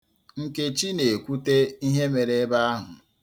Nkechi na-ekwute ihe mere ebe ahụ.